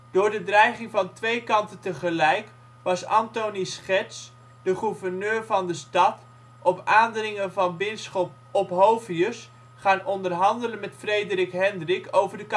Door de dreiging van twee kanten tegelijkertijd was Anthonie Schets, de gouverneur van de stad, op aandringen van Bisschop Ophovius gaan onderhandelen met Frederik Hendrik over de